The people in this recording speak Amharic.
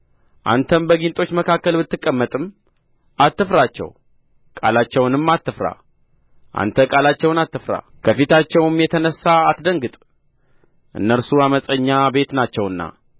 አንተም በጊንጦች መካከል ብትቀመጥም አትፍራቸው ቃላቸውንም አትፍራ አንተ ቃላቸውን አትፍራ ከፊታቸውም የተነሣ አትደንግጥ እነርሱ ዓመፀኛ ቤት ናቸውና